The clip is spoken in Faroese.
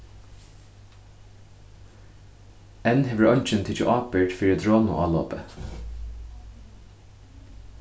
enn hevur eingin tikið ábyrgd fyri dronuálopið